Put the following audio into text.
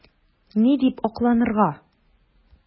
Ни дип акланырга?